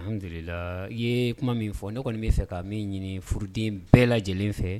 Alihamudulila i ye kuma min fɔ ne kɔni b'a fɛ ka min ɲini furuden bɛɛ lajɛlen fɛ